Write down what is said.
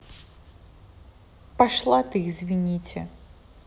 пошла ты извините